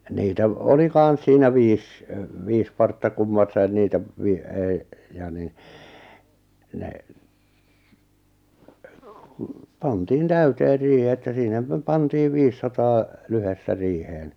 niitä - oli kanssa siinä viisi viisi partta kummassakin niitä - ei ja niin ne kun pantiin täyteen riihi että sinä - pantiin viisisataa lyhdettä riiheen